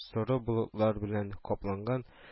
Соры болытлар белән капланган